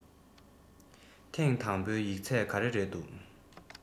ཐེང དང པོའི ཡིག ཚད ག རེ རེད འདུག